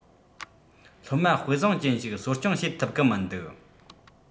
སློབ མ དཔེ བཟང ཅན ཞིག གསོ སྐྱོངས བྱེད ཐུབ གི མི འདུག